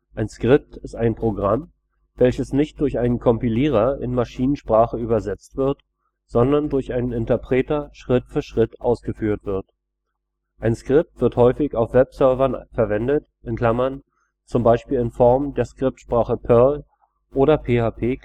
Ein Skript ist ein Programm, welches nicht durch einen Kompilierer in Maschinensprache übersetzt wird, sondern durch einen Interpreter Schritt für Schritt ausgeführt wird. Ein Skript wird häufig auf Webservern verwendet (zum Beispiel in Form der Skriptsprache Perl oder PHP